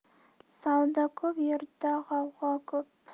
savdo ko'p yerda g'avg'o ko'p